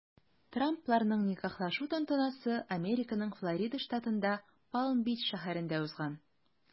Трампларның никахлашу тантанасы Американың Флорида штатында Палм-Бич шәһәрендә узган.